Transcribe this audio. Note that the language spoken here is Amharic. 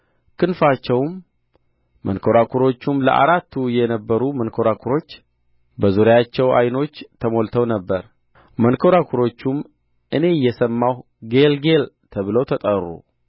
ክንፋቸውም መንኰራኵሮቹም ለአራቱ የነበሩ መንኰራኵሮች በዙሪያቸው ዓይኖች ተሞልተው ነበር መንኰራኵሮችም እኔ እየሰማሁ ጌልጌል ተብለው ተጠሩ